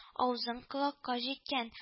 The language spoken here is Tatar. Авызың колакка җиткән